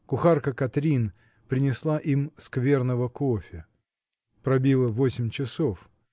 Кухарка Катрин принесла им скверного кофе. Пробило восемь часов.